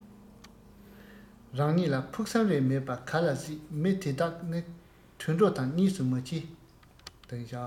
རང ཉིད ལ ཕུགས བསམ རེ མེད པ ག ལ སྲིད མི དེ དག ནི དུད འགྲོ དང གཉིས སུ མ མཆིས